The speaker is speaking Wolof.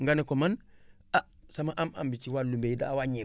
nga ne ko man ah sama am-am bi ci wàllu mbay daa wàññeeku